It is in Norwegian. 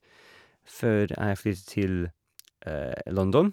Før jeg flyttet til London.